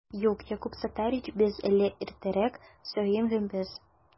Юк, Якуб Саттарич, без әле иртәрәк сөенгәнбез